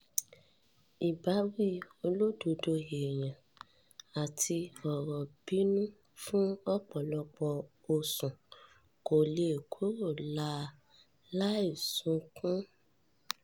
Ìbáwí olódodo èèyàn, àti ọ̀rọ̀ bínú fún ọ̀pọ̀lọpọ̀ oṣù, kò lè kúrò láa láì sunkún.